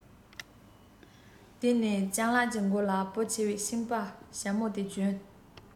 དེ ནས སྤྱང ལགས ཀྱི མགོ ལ བུ ཆེ བའི ཕྱིང པའི ཞྭ མོ དེ གྱོན